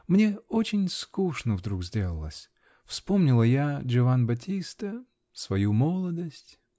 Мне очень скучно вдруг сделалось. Вспомнила я Джиован Баттиста. свою молодость.